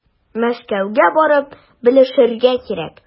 Мәскәүгә барып белешергә кирәк.